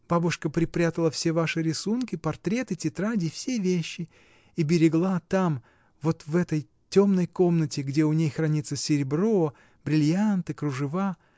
Бабушка припрятала все ваши рисунки, портреты, тетради, все вещи — и берегла там, вот в этой темной комнате, где у ней хранится серебро, брильянты, кружева.